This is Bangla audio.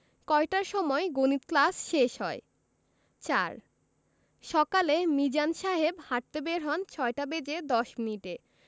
কয়টার সময় গণিত ক্লাস শেষ হয় ৪ সকালে মিজান সাহেব হাঁটতে বের হন ৬টা বেজে ১০ মিনিটে